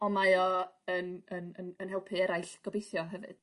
Ond mae o yn yn yn yn helpu eraill gobeithio hefyd.